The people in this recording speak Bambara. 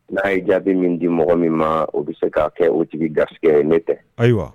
N'a ye jaabi min di mɔgɔ min ma o bɛ se k'a kɛ o tigi gassɛgɛ ye ne tɛ ayiwa